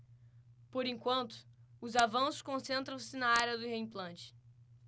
por enquanto os avanços concentram-se na área do reimplante